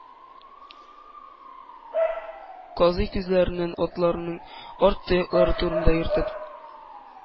Казый, күзләрен атларның арт тояклары турында йөртеп: